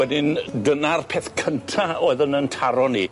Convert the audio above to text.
Wedyn dyna'r peth cynta' oedd yn yn taro ni.